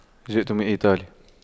جئت مت إيطاليا